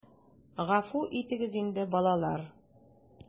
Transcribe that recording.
Гафу итегез инде, балалар...